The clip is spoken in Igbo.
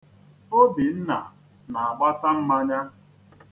Obinna na-agbata mmanya.